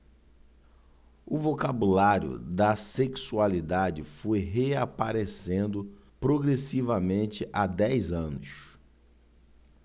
o vocabulário da sexualidade foi reaparecendo progressivamente há dez anos